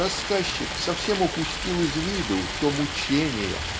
рассказчик совсем упустил из виду то мучение